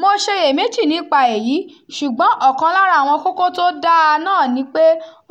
Mò ṣeyèméjì nípa èyí, ṣùgbọ́n ọ̀kan lára àwọn kókó to dáa náà ni pé